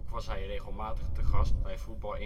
was hij regelmatig te gast bij Voetbal